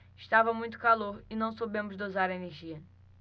estava muito calor e não soubemos dosar a energia